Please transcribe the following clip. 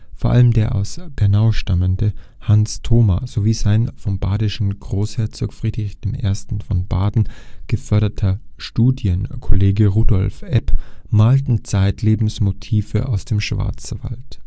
Vor allem der aus Bernau stammende Hans Thoma sowie sein vom badischen Großherzog Friedrich I. (Baden) geförderter Studienkollege Rudolf Epp malten zeitlebens Motive aus dem Schwarzwald